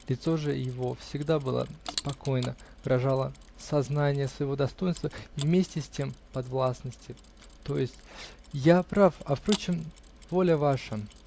лицо же его всегда было спокойно -- выражало сознание своего достоинства и вместе с тем подвластности, то есть: я прав, а впрочем, воля ваша!